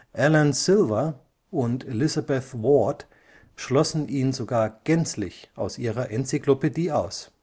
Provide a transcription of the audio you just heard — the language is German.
Alain Silver und Elizabeth Ward schlossen ihn sogar gänzlich aus ihrer Enzyklopädie aus